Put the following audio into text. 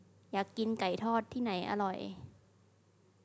อยากกินไก่ทอดที่ไหนอร่อย